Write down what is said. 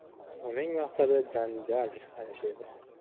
uning maqsadi janjal chiqarish edi